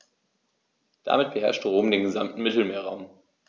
Damit beherrschte Rom den gesamten Mittelmeerraum.